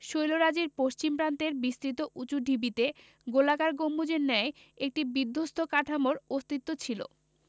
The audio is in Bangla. শৈলরাজির পশ্চিম প্রান্তের বিস্তৃত উঁচু ঢিবিতে গোলাকার গম্বুজের ন্যায় একটি বিধ্বস্ত কাঠামোর অস্তিত্ব ছিল